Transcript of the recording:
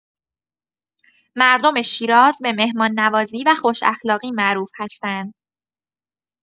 مردم شیراز به مهمان‌نوازی و خوش‌اخلاقی معروف هستند.